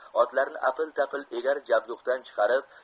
otlarni apil tapil egar jabdukdan chiqarib